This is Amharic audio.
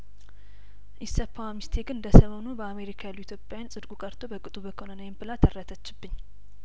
ኢሰፓዋ ሚስቴ ግን እንደሰሞኑ በአሜሪካ ያሉ ኢትዮጵያውያን ጽድቁ ቀርቶ በቅጡ በኮነነኝ ብላ ተረተችብኝ